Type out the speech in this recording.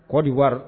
Kɔ di wari